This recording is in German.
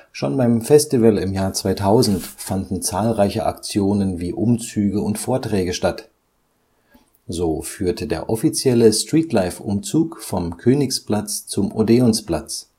Schon beim Festival im Jahr 2000 fanden zahlreiche Aktionen wie Umzüge und Vorträge statt. So führte der offizielle Streetlife-Umzug vom Königsplatz zum Odeonsplatz